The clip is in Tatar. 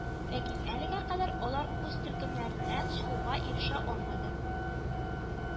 Ләкин әлегә кадәр алар үз төркемнәреннән чыгуга ирешә алмады